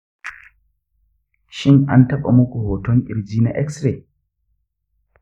shin an taɓa muku hoton ƙirji na x-ray?